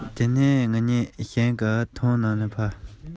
དངུལ ཕོར ནང ཇ གང བླུགས ཏེ